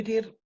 be' 'di'r